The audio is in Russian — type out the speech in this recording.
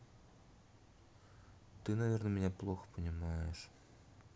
ты наверное меня плохо понимаешь